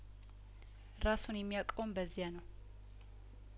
ራሱን የሚያቀውም በዚያነው